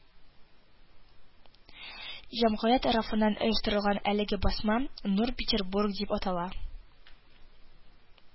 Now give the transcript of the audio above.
Җәмгыять тарафыннан оештырылган әлеге басма –«Нур Петербург» дип атала